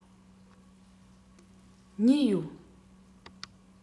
གཉིས ཡོད